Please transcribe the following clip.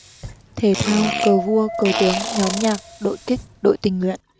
thể thao cờ vua cờ tướng nhóm nhạc đội kịch đội tình nguyện